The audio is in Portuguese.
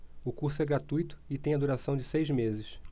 o curso é gratuito e tem a duração de seis meses